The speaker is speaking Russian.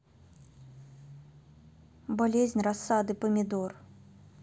болезнь рассады помидор